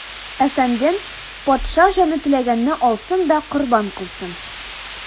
Әфәндем, патша, җаны теләгәнне алсын да корбан кылсын.